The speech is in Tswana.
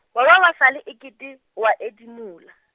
wa ba sala e kete, wa edimola.